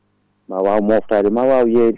ma waw moftade ma waw yeyde